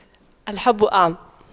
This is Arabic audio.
الحب أعمى